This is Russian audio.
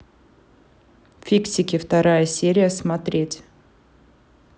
фиксики вторая серия смотреть